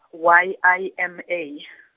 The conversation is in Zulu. Y I M A.